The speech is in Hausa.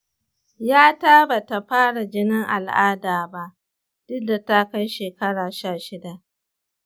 ya ta bata fara jinin al'ada ba duk da ta kjai shekara sha shida.